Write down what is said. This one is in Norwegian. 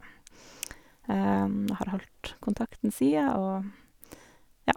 Og har holdt kontakten sia og, ja.